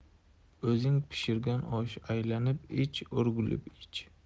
o'zing pishirgan osh aylanib ich o'rgulib ich